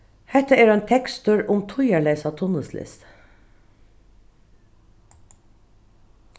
hetta er ein tekstur um tíðarleysa tunnilslist